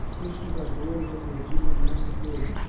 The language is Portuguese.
os pesquisadores acreditam nessa teoria